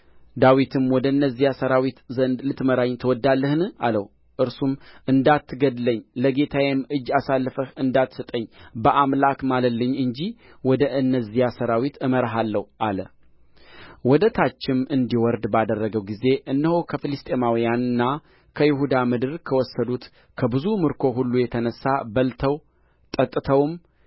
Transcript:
ዳዊትም ወደ እነዚያ ሠራዊት ዘንድ ልትመራኝ ትወድዳለህን አለው እርሱም እንዳትገድለኝ ለጌታዬም እጅ አሳልፈህ እንዳትሰጠኝ በአምላክ ማልልኝ እንጂ ወደ እነዚያ ሠራዊት እመራሃለሁ አለ ወደ ታችም እንዲወርድ ባደረገው ጊዜ እነሆ ከፍልስጥኤማውያንና ከይሁዳ ምድር ከወሰዱት ከብዙ ምርኮ ሁሉ የተነሣ በልተው ጠጥተውም